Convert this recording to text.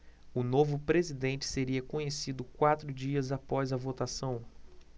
o novo presidente seria conhecido quatro dias após a votação